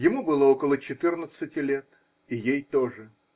Ему было около четырнадцати лет, и ей тоже.